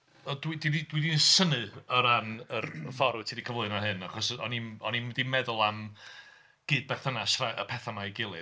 Yy dwi 'di... dwi 'di'n synnu o ran yr ffordd wyt ti 'di cyflwyno hyn achos o'n i'm... o'n i'm 'di meddwl am gyd-berthynas y pethau 'ma â'i gilydd.